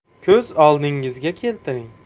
ko'z oldingizga keltiring